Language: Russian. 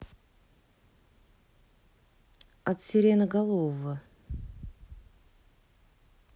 от сиреноголового